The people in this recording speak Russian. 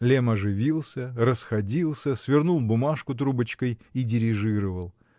Лемм оживился, расходился, свернул бумажку трубочкой и дирижировал.